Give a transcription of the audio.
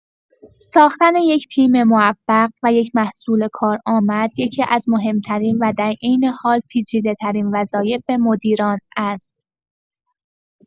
ساختن یک تیم موفق و یک محصول کارآمد، یکی‌از مهم‌ترین و در عین حال پیچیده‌ترین وظایف مدیران است.